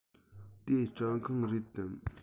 དེ སྐྲ ཁང རེད དམ